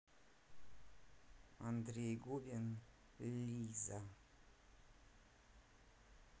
андрей губин лиза